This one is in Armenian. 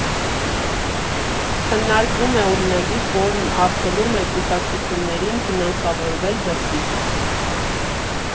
Քննարկվում է օրինագիծ, որն արգելում է կուսակցություններին ֆինանսավորվել դրսից։